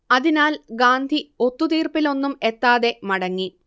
അതിനാൽ ഗാന്ധി ഒത്തുതീർപ്പിലൊന്നും എത്താതെ മടങ്ങി